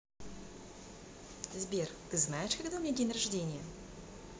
сбер ты знаешь когда у меня день рождения